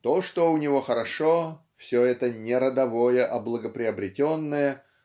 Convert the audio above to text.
То, что у него хорошо, все это -- не родовое, а благоприобретенное